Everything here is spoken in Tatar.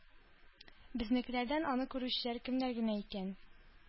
Безнекеләрдән аны күрүчеләр кемнәр генә икән?